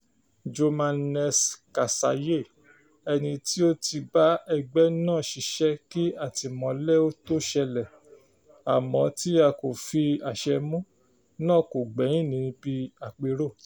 Jomanex Kasaye, ẹni tí ó ti bá ẹgbẹ́ náà ṣiṣẹ́ kí àtìmọ́lé ó tó ṣẹlẹ̀ (àmọ́ tí a kò fi àṣẹ mú) náà kò gbẹ́yìn níbi àpérò.